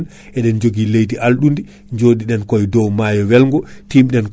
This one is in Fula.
adde ha ɗo donc kaadi ƴettan temps te walo kaadi ko roguere rabɓere